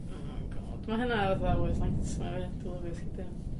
Oh God, ma' hynna fatha fel worst nightmare fi, dwi'n lyfio sgidia'.